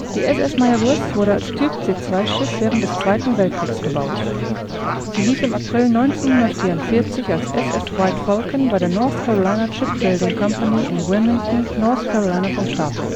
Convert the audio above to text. SS Mayaguez wurde als Typ-C2-Schiff während des Zweiten Weltkriegs gebaut. Sie lief im April 1944 als SS White Falcon bei der North Carolina Shipbuilding Company in Wilmington, North Carolina vom Stapel